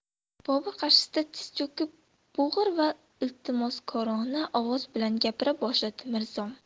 bobur qarshisida tiz cho'kib bo'g'iq va iltimoskorona ovoz bilan gapira boshladi mirzom